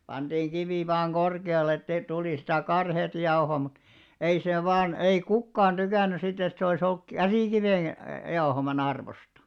pantiin kivi vain korkealle että ei tuli sitä karheata jauhoa mutta ei se vain ei kukaan tykännyt sitten että se olisi ollut käsikiven jauhaman arvosta